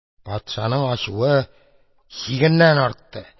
Патшаның ачуы чигеннән артты.